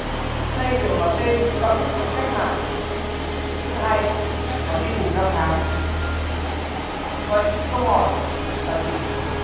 đây đều là tên những ca khúc cách mạng rất hay và đi cùng năm tháng vậy câu hỏi là gì